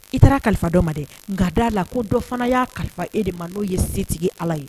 I taara kalifa dɔ ma de ga d la ko dɔ fana y'a kalifa e de ma n'o ye setigi ala ye